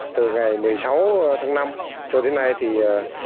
từ ngày mười sáu tháng năm cho đến nay thì